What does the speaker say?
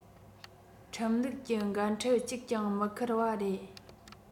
ཁྲིམས ལུགས གྱི འགན འཁྲི གཅིག ཀྱང མི འཁུར བ རེད